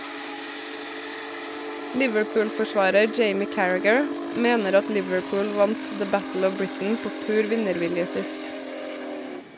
Liverpool-forsvarer Jamie Carragher mener at Liverpool vant «The Battle of Britain» på pur vinnervilje sist.